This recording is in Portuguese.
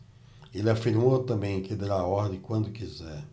ele afirmou também que dará a ordem quando quiser